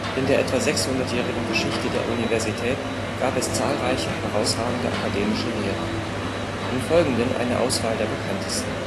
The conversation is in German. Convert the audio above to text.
In der etwa sechshundertjährigen Geschichte der Universität gab es zahlreiche herausragende akademische Lehrer. Im Folgenden eine Auswahl der Bekanntesten